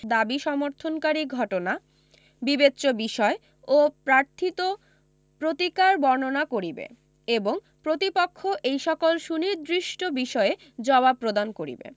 দাবী সমর্থনকারী ঘটনা বিবেচ্য বিষয় ও প্রার্থীত প্রতিকার বর্ণনা করিবে এবং প্রতিপক্ষ এই সকল সুনির্দিষ্ট বিষয়ে জবাব প্রদান করিবে